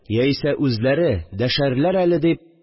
Яисә үзләре дәшәрләр әле дип